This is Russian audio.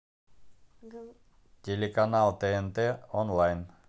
телеканал тнт онлайн